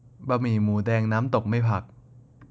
บะหมี่หมููแดงน้ำตกไม่ผัก